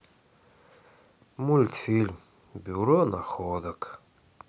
мультфильм бюро находок